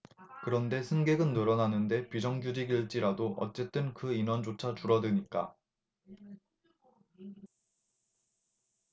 그런데 승객은 늘어나는데 비정규직일지라도 어쨌든 그 인원조차 줄어드니까